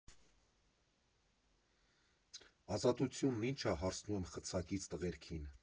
Ազատությունն ի՞նչ ա՝ հարցնում եմ խցակից տղերքին։